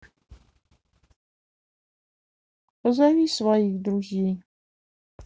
позови своих друзей